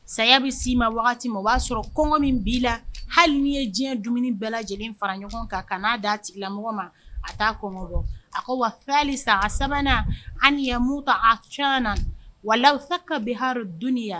Saya bɛ si ma min o b'a sɔrɔ kɔngɔ min b'i la hali n' ye diɲɛ dumuni bɛɛ lajɛlen fara ɲɔgɔn kan ka n'a da a tigilamɔgɔ ma a' kɔgɔ bɔ a ko wasa a sabanan ani yamu ta a son na wa lasa ka bɛn harodon yan